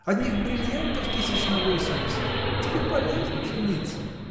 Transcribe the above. Одних брильянтов тысяч на восемьдесят. Тебе полезно жениться.